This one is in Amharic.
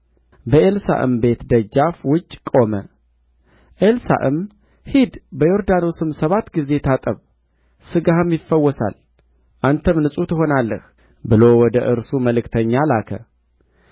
የእግዚአብሔርም ሰው ኤልሳዕ የእስራኤል ንጉሥ ልብሱን እንደ ቀደደ በሰማ ጊዜ ልብስህን ለምን ቀደድህ ወደ እኔ ይምጣ በእስራኤልም ዘንድ ነቢይ እንዳለ ያውቃል ብሎ ወደ ንጉሡ ላከ ንዕማንም በፈረሱና በሰረገላው መጣ